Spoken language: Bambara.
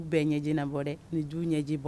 U bɛɛ ɲɛ ji bɔ dɛ ni du ɲɛjɛ bɔ